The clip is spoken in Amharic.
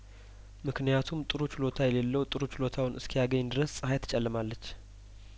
ምክንያቱም ጥሩ ችሎታ የሌለው ጥሩ ችሎታውን እስኪያገኝ ድረስ ጸሀይት ጨልማለች